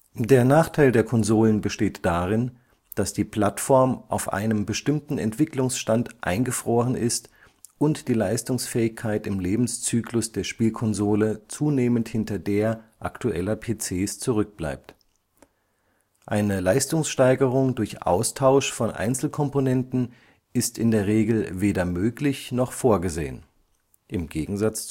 Der Nachteil der Konsolen besteht darin, dass die Plattform auf einem bestimmten Entwicklungsstand eingefroren ist und die Leistungsfähigkeit im Lebenszyklus der Spielkonsole zunehmend hinter der aktueller PCs zurückbleibt. Eine Leistungssteigerung durch Austausch von Einzelkomponenten ist in der Regel weder möglich noch vorgesehen – im Gegensatz